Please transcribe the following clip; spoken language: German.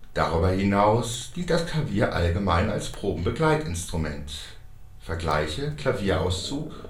Darüberhinaus dient das Klavier allgemein als Proben-Begleitinstrument (vgl. Klavierauszug